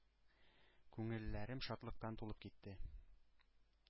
Күңелләрем шатлыктан тулып китте...